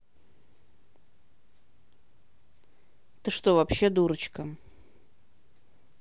ты что вообще дурочка